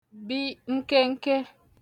bi nkenke